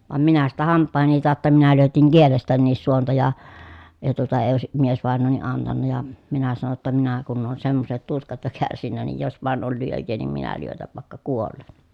vaan minä sitä hampaideni tautta minä lyötin kielestänikin suonta ja ja tuota ei olisi miesvainaja antanut ja minä sanoin jotta minä kun olen semmoiset tuskat jo kärsinyt niin jos vain oli lyöjää niin minä lyötän vaikka kuolen